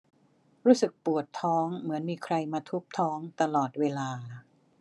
รู้สึกปวดท้องเหมือนมีใครมาทุบท้องตลอดเวลา